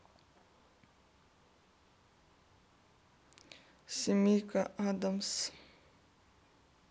семейка адамс